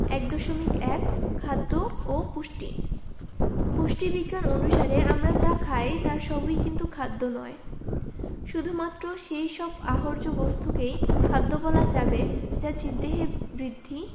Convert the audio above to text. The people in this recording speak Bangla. ১.১ খাদ্য ও পুষ্টি পুষ্টিবিজ্ঞান অনুসারে আমরা যা খাই তার সবই কিন্তু খাদ্য নয় শুধুমাত্র সেই সব আহার্য বস্তুকেই খাদ্য বলা যাবে যা জীবদেহে বৃদ্ধি